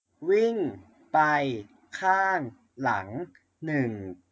วิ่งไปข้างหลังหนึ่ง